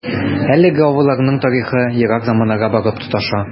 Әлеге авылларның тарихы ерак заманнарга барып тоташа.